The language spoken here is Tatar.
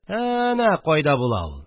Ә-әнә кайда була ул